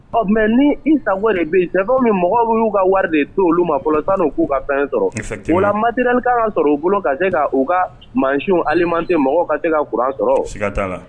Ɔ mɛ ni isa de bɛ sa ni mɔgɔw y'u ka wari de to olu ma tan n' k'u ka kan sɔrɔ matir ni sɔrɔ u bolo ka se ka u ka maas ali tɛ mɔgɔ ka se ka kuran sɔrɔ la